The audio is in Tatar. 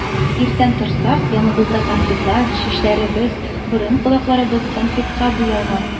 Иртән торсак, яныбызда конфетлар, чәчләребез, борын-колакларыбыз конфетка буялган.